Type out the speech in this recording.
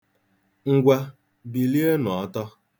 Ngwa, bilie nụ ọtọ.